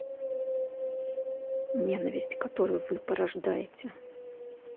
ненависть которую вы порождаете